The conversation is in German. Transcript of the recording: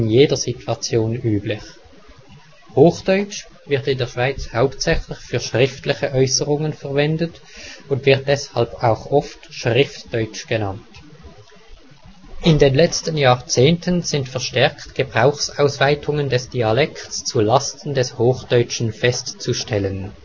jeder Situation üblich. Hochdeutsch wird in der Schweiz hauptsächlich für schriftliche Äußerungen verwendet und wird deshalb auch oft " Schriftdeutsch " genannt. In den letzten Jahrzehnten sind verstärkt Gebrauchsausweitungen des Dialekts zu Lasten des Hochdeutschen festzustellen